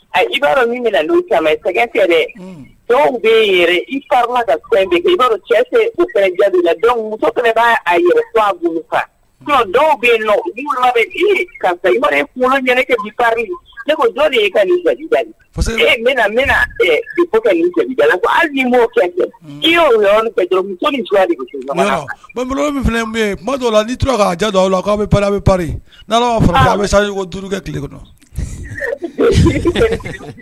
A i min sɛgɛ dɔw bɛi i cɛ a dɔw bɛ ka ne ko bɛna i y min bɛ mɔ la ni k' ja bɛ bɛri fɔ a bɛ sa duuru kɛ tile kɔnɔ